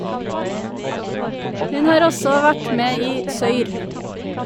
Hun har også vært med i Søyr.